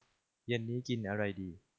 เย็นนี้กินอะไรดี